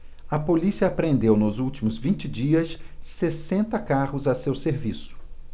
a polícia apreendeu nos últimos vinte dias sessenta carros a seu serviço